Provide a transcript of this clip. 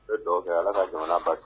An bɛ dugawu kɛ Ala ka jamana basigi